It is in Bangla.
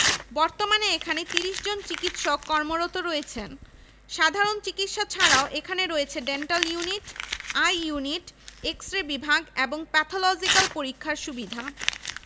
পড়ালেখার পাশাপাশি খেলাধুলার উৎকর্ষ সাধন এবং শরীরচর্চার মাধ্যমে সুস্থ সবল জনগোষ্ঠী সৃষ্টির লক্ষ্যে ছাত্র ছাত্রীদের খেলাধুলা